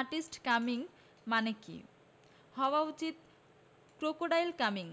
Artist coming মানে কি হওয়া উচিত ক্রোকোডাইল কামিং.